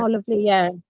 O lyfli, ie.